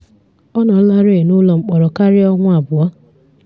Ọ nọlarị n'ụlọ mkpọrọ karịa ọnwa abụọ.